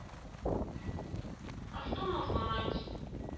а что нужно найти